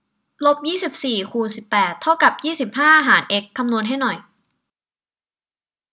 ลบยี่สิบสี่คูณสิบแปดเท่ากับยี่สิบห้าหารเอ็กซ์คำนวณให้หน่อย